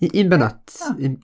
U- un bennod... O!